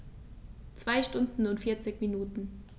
2 Stunden und 40 Minuten